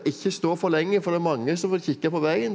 ikke stå for lenge for det er mange som vil kikke på veien.